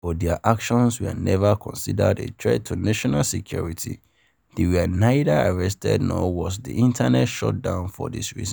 But their actions were never considered a threat to national security; they were neither arrested nor was the internet shut down for this reason.